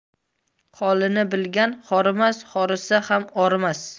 holini bilgan horimas horisa ham orimas